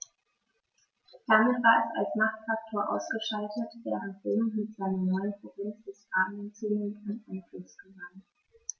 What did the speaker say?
Damit war es als Machtfaktor ausgeschaltet, während Rom mit seiner neuen Provinz Hispanien zunehmend an Einfluss gewann.